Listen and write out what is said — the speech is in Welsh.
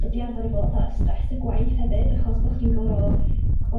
dod i arfar efo atha'r stress y gwaith hefyd achos bo' chi'n goro gw'od